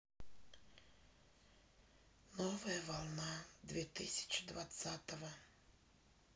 новая волна две тысячи двадцатого